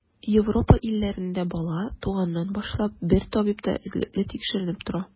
Европа илләрендә бала, туганнан башлап, бер табибта эзлекле тикшеренеп тора.